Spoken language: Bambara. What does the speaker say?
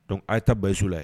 Donc a ye taa Bayisu la ye.